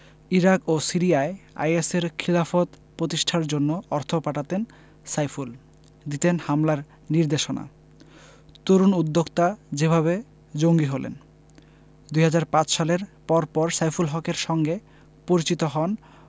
Iraq ও সিরিয়ায় আইএসের খিলাফত প্রতিষ্ঠার জন্য অর্থ পাঠাতেন সাইফুল দিতেন হামলার নির্দেশনা তরুণ উদ্যোক্তা যেভাবে জঙ্গি হলেন ২০০৫ সালের পরপর সাইফুল হকের সঙ্গে পরিচিত হন